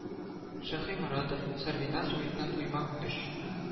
Шаһиморатов , Сәрвиназ Уеннан уймак З